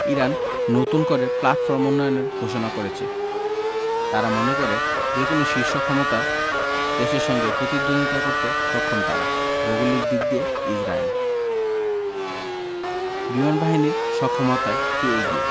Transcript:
Iran নতুন করে platform উন্নয়নের ঘোষণা করেছে তারা মনে করে যেকোনো শীর্ষ ক্ষমতার দেশের সঙ্গে প্রতিদ্বন্দ্বিতা করতে সক্ষম তারা ভৌগোলিক দিক দিয়ে ইসরায়েল বিমানবাহীর সক্ষমতায় কে এগিয়ে